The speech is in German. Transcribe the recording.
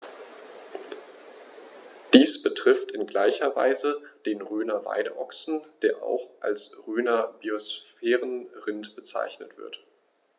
Dies betrifft in gleicher Weise den Rhöner Weideochsen, der auch als Rhöner Biosphärenrind bezeichnet wird.